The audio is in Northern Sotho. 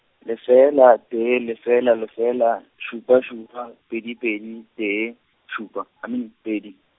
lefela, tee, lefela lefela, šupa šupa, pedi pedi, tee, šupa, I mean, pedi.